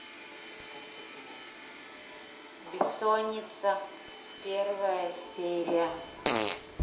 бессонница первая серия